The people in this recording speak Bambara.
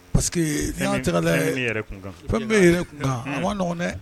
Parce que tɛ ka yɛrɛ kun fɛn bɛ yɛrɛ kan ma nɔgɔ dɛ